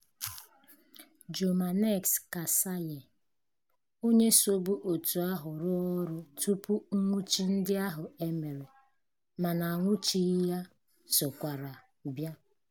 Jomanex Kasaye, onye sobu òtù ahụ rụọ ọrụ tupu nnwụchi ndị ahụ e mere (mana anwụchighị ya) sokwara bịa.